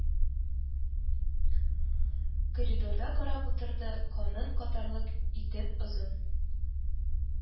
Коридорда карап утырды: каның катарлык итеп озын,